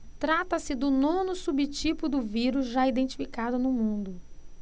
trata-se do nono subtipo do vírus já identificado no mundo